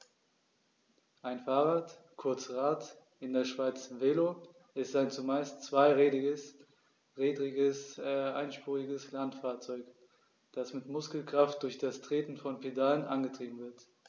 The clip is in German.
Ein Fahrrad, kurz Rad, in der Schweiz Velo, ist ein zumeist zweirädriges einspuriges Landfahrzeug, das mit Muskelkraft durch das Treten von Pedalen angetrieben wird.